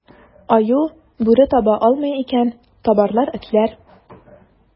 Аю, бүре таба алмый икән, табарлар этләр.